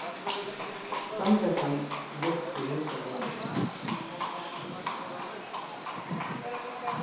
strandferðslan røkir hesa leiðina